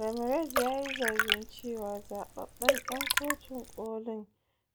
Ramirez yayi zargin cewa zababben dan Kotun Kolin